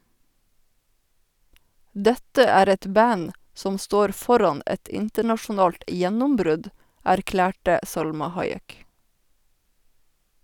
- Dette er et band som står foran et internasjonalt gjennombrudd, erklærte Salma Hayek.